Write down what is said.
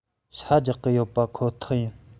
ཤ རྒྱག གི ཡོད པ ཁོ ཐག ཡིན